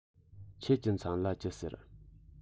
ཁྱེད ཀྱི མཚན ལ ཅི ཟེར